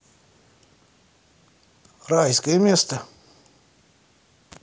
райское место